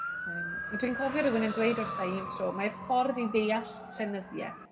Yym ma' dwi'n cofio rywun yn dweud wrtha i un tro mai'r ffordd i ddeall llenyddieth